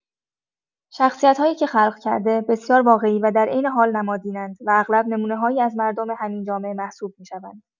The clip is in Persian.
شخصیت‌هایی که خلق کرده، بسیار واقعی و در عین حال نمادین‌اند و اغلب نمونه‌هایی از مردم همین جامعه محسوب می‌شوند.